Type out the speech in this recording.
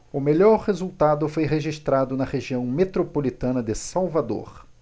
o melhor resultado foi registrado na região metropolitana de salvador